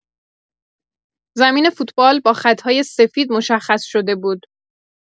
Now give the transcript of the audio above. زمین فوتبال با خط‌های سفید مشخص شده بود.